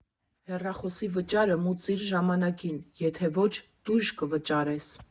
Հեռախոսի վճարը մուծի՛ր ժամանակին, եթե ոչ՝ տույժ կվճարես։